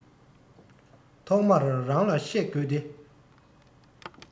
ཐོག མར རང ལ བཤད དགོས ཏེ